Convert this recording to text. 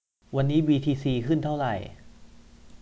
วันนี้บีทีซีขึ้นเท่าไหร่